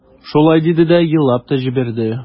Шулай диде дә елап та җибәрде.